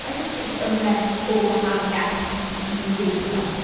Mae jyst yn gwneud gymaint o gwahaniaeth i i ddiwrnod.